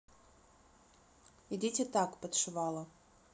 идите так подшивала